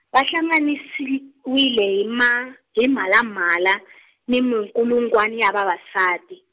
va hlanganisisile- wile hi ma, hi mhalamhala , ni minkulungwana ya vavasati.